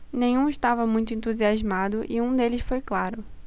nenhum estava muito entusiasmado e um deles foi claro